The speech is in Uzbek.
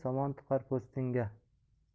somon tiqar po'stingga